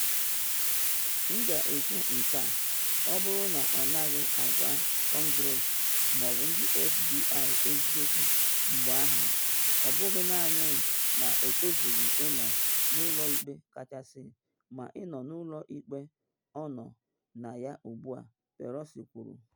“M ga-ekwu nke a -- ọ bụrụ na ọ naghị agwa Kọngress ma ọ bụ ndị FBI eziokwu, mgbe ahụ ọ bụghị naanị na o tozughi ịnọ na Ụlọ Ikpe Kachasị, ma ị nọ n’ụlọ ikpe ọ nọ na ya ugbu a,” Pelosi kwuru.